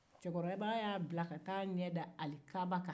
cɛkɔrɔba y'a bila ka taa a ɲɛ da alikaaba kan